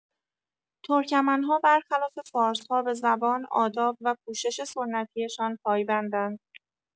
ترکمن‌ها بر خلاف فارس‌ها به زبان، آداب و پوشش سنتی‌شان پایبندند.